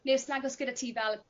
ne' os nagos gyda ti fel